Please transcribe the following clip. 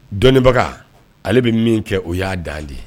Dɔnnibaga ale bɛ min kɛ o y'a dan de ye